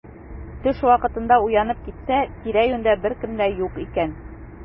Төш вакытында уянып китсә, тирә-юньдә беркем дә юк икән.